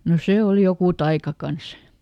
no se oli joku taika kanssa